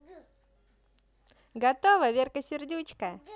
готово верка сердючка